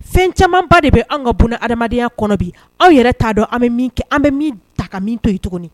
Fɛn camanba de bi anw ka bunahadamadenya kɔnɔ bi aw yɛrɛ ta dɔn an bi min ta ka min to yen tuguni.